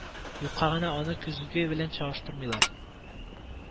Юкка гына аны көзге белән чагыштырмыйлар